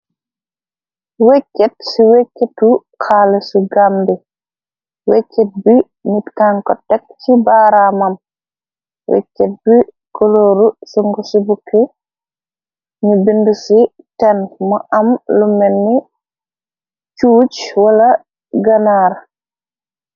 wekket ci wekketu xaale su gambe wekket bi nit kanko dek ci baaraamam wekket bi kolooru singu ci bukki nu bind ci tenn mu am lu menni cuuj wala ganaar